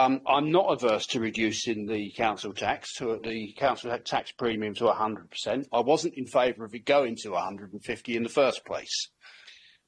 Um I'm not averse to reducing the council tax to the council tax premium to a hundred percent I wasn't in favour of it going to a hundred and fifty in the first place.